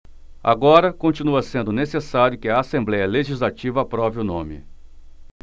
agora continua sendo necessário que a assembléia legislativa aprove o nome